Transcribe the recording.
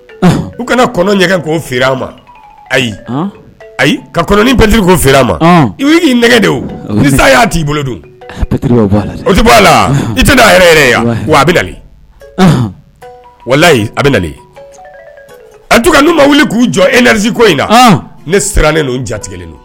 U kana kɔnɔ ɲɛgɛn ko feere ma ayi ayi ka kɔnɔn pte ko feere ma i i nɛgɛ de ni y'a t' ii bolo don o a la i tɛ a yɛrɛ yɛrɛ yan wa a bɛ na wa layi a bɛ na a tun ka nu ma wuli k'u jɔ ez ko in na ne siranlen n' jatigilen don